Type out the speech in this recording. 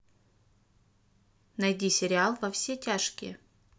найди сериал во все тяжкие